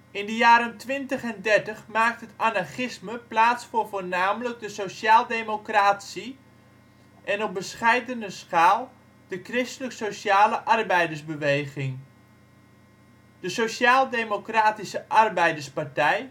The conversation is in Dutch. In de jaren twinitig en dertig maakt het anarchisme plaats voor voornamelijk de sociaaldemocratie en op bescheidener schaal de christelijk-sociale arbeidersbeweging. De Sociaal Democratische Arbeiderspartij